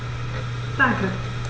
Danke.